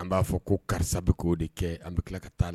An b'a fɔ ko karisa bɛ k'o de kɛ an bɛ tila ka taaa la